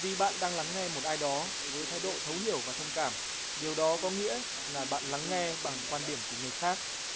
vì bạn đang lắng nghe một ai đó với thái độ thấu hiểu và thông cảm điều đó có nghĩa là bạn lắng nghe bằng quan điểm của người khác